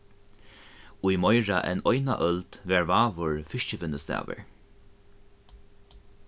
í meira enn eina øld var vágur fiskivinnustaður